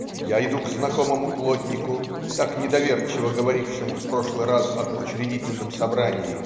Я иду к знакомому плотнику, так недоверчиво говорившему в прошлый раз об Учредительном собрании.